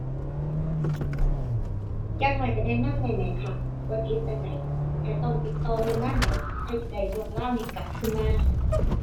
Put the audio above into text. อย่างน้อยก็แนะนำแหน่แหมค่ะ ว่าสิเฮ็ดจั่งใด ข้อยต้องติดต่อหน่วยงานใดค่อยสิได้เรื่องราวนี้กลับคืนมา